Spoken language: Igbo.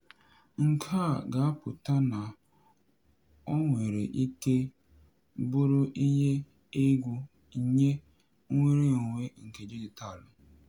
Nke a ga-apụta na ọ nwere ike bụrụ ihe egwu nye nwereonwe nke dijitalụ.